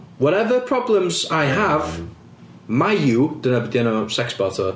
Whatever problems I have Myoui dyna be 'di enw sexbot fo.